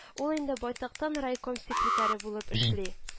Ул инде байтактан райком секретаре булып эшли